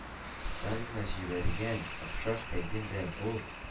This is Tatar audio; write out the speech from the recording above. Сталинга җибәргәнгә охшаш тәкъдим белән ул,